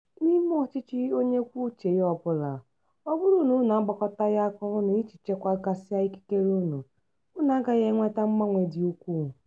N'ime ọchịchị onye kwuo uche ya ọbụla, ọ bụrụ na unu agbakọtaghị aka ọnụ iji chekwa gasịa ikikere unu, unu agaghị enweta mgbanwe dị ukwuu.